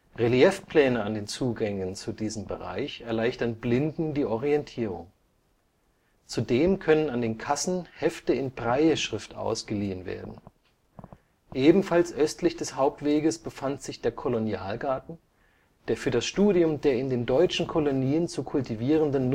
Reliefpläne an den Zugängen zu diesem Bereich erleichtern Blinden die Orientierung. Zudem können an den Kassen Hefte in Brailleschrift ausgeliehen werden. Ebenfalls östlich des Hauptweges befand sich der Kolonialgarten, der für das Studium der in den deutschen Kolonien zu kultivierenden